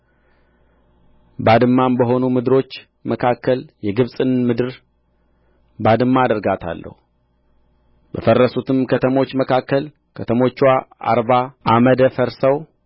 ባድማም በሆኑ ምድሮች መካከል የግብጽን ምድር ባድማ አደርጋታለሁ በፈረሱትም ከተሞች መካከል ከተሞችዋ አርባ ዓመደ ፈርሰው